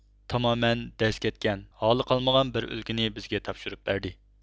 تامامەن دەز كەتكەن ھالى قالمىغان بىر ئۆلكىنى بىزگە تاپشۇرۇپ بەردى